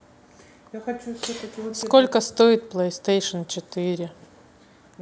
сколько стоит playstation четыре